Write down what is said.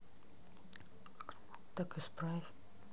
так исправь